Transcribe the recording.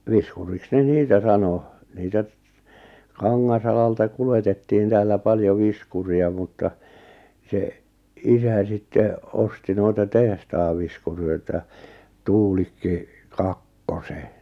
viskuriksi ne niitä sanoi niitä Kangasalalta kuljetettiin täällä paljon viskuria mutta se isä sitten osti noita tehtaan viskureita Tuulikki Kakkosen